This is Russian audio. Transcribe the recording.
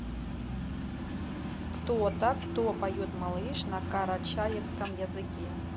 кто то кто поет малыш на карачаевском языке